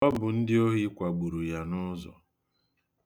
Ọ bụ ndị ohi kwagburu ya n'ụzọ.